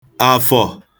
Àfọ̀